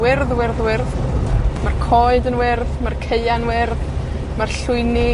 wyrdd wyrdd wyrdd. Ma'r coed yn wyrdd, ma'r caea'n wyrdd, ma'r llwyni